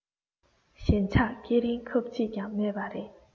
ཞེན ཆགས སྐྱེ རིན ཁབ མིག ཙམ ཡང མེད པ རེད